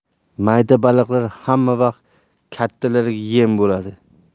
mayda baliqlar hammavaqt kattalariga yem bo'ladi